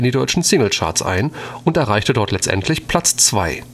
deutschen Singlecharts ein und erreichte dort letztendlich Platz zwei